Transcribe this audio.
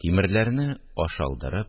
Тимерләрне ашалдырып